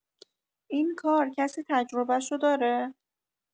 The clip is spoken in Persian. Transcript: این کار کسی تجربشو داره؟